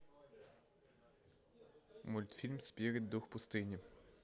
мультфильм спирит дух пустыни